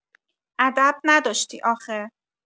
ادب نداشتی آخه